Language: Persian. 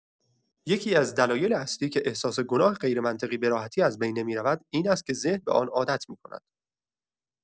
یکی‌از دلایل اصلی که احساس گناه غیرمنطقی به‌راحتی از بین نمی‌رود، این است که ذهن به آن عادت می‌کند.